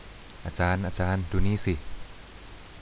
อาจารย์อาจารย์ดูนี่สิ